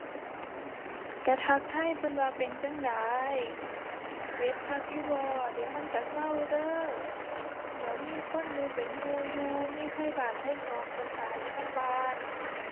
ก็ทักทายเพิ่นว่าเป็นจั่งใด เจ็บคักอยู่บ่ เดี๋ยวมันก็เซาเด้อ เดี๋ยวมีคนอยู่เป็นหมู่อยู่ มีไทบ้านไทก็เพิ่นท่าอยู่นำบ้าน